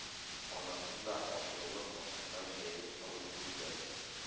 Анасын да ашъяулык астына җәеп салып куйды...